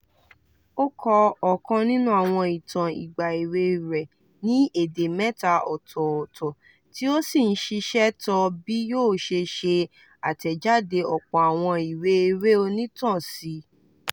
Ó kọ ọ̀kan nínú àwọn ìtàn ìgbà èwe rẹ̀ ní èdè 3 ọ̀tọ̀ọ̀tọ̀, tí ó sì ń ṣiṣẹ́ tọ bí yóò ṣe ṣe àtẹ̀jáde ọ̀pọ̀ àwọn ìwé eré onítàn síi.